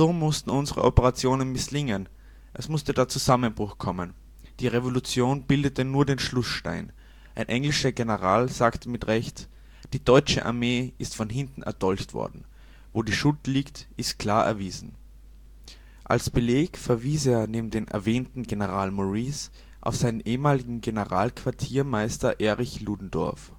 mussten unsere Operationen misslingen, es musste der Zusammenbruch kommen. Die Revolution bildete nur den Schlußstein. Ein englischer General sagte mit Recht: ‚` Die deutsche Armee ist von hinten erdolcht worden `. Wo die Schuld liegt, ist klar erwiesen. Als Beleg verwies er neben dem erwähnten General Maurice auf seinen ehemaligen Generalquartiermeister Erich Ludendorff